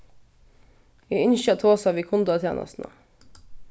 eg ynski at tosa við kundatænastuna